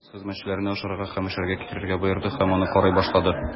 Ганс хезмәтчеләренә ашарга һәм эчәргә китерергә боерды һәм аны карый башлады.